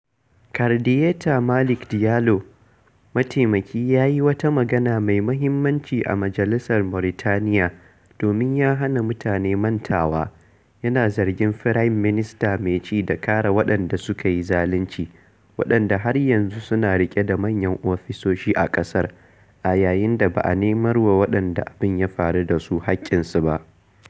Kardiata Malick Diallo, mataimaki, ya yi wata magana mai muhimmanci a majalisar Mauritaniya domin ya hana mutane mantawa, yana zargin Firaminista mai ci da kare waɗanda suka yi zaluncin, waɗanda har yanzu suna riƙe da manyan ofisoshi a ƙasar, a yayin da ba a nemarwa waɗanda abin ya faru da su haƙƙinsu ba: